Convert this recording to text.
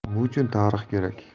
nima uchun tarix kerak